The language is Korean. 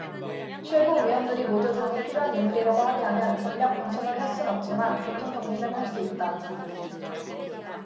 최고위원들이 모두 당에 필요한 인물이라고 합의하면 전략공천을 할 순 없지만 교통정리는 할 수 있다